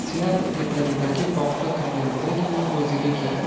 teatr etagidagi boqqa kirgandagina o'ziga keldi